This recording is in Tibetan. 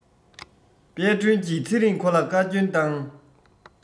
དཔལ སྒྲོན གྱི ཚེ རིང ཁོ ལ བཀའ བསྐྱོན བཏང